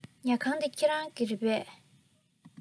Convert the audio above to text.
ཉལ ཁང འདི ཁྱེད རང གི རེད པས